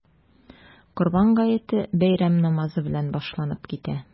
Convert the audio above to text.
Корбан гаете бәйрәм намазы белән башланып китә.